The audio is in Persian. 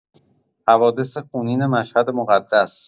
حوادث خونین مشهد مقدس